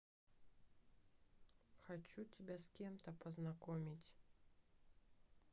хочу тебя с кем то познакомить